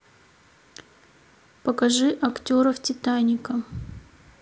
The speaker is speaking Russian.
покажи актеров титаника